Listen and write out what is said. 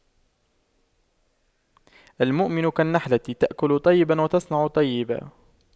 المؤمن كالنحلة تأكل طيبا وتضع طيبا